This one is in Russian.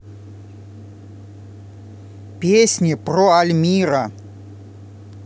песни про альмира